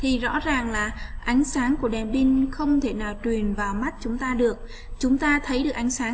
thì rõ ràng là ánh sáng của đèn pin không thể nào truyền vào mắt chúng ta được chúng ta thấy được ánh sáng